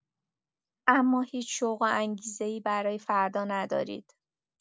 اما هیچ شوق و انگیزه‌ای برای فردا ندارید.